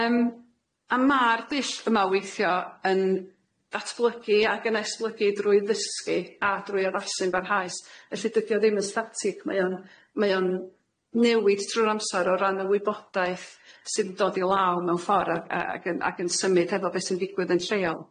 Yym a ma'r dull yma o weithio yn datblygu ag yn esblygu drwy ddysgu a drwy addasu'n barhaus felly dydi o ddim yn statig mae o'n mae o'n newid trw'r amsar o ran y wybodaeth sydd yn dod i law mewn ffor' ag ag yn ag yn symud hefo beth sy'n digwydd yn lleol.